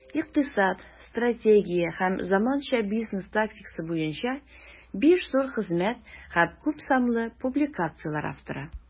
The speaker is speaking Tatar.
Икътисад, стратегия һәм заманча бизнес тактикасы буенча 5 зур хезмәт һәм күпсанлы публикацияләр авторы.